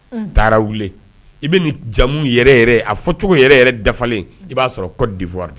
Taara wili i bɛ jamu yɛrɛ a fɔcogo yɛrɛ dafalen i b'a sɔrɔ kɔ difa